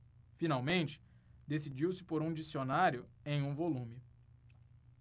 finalmente decidiu-se por um dicionário em um volume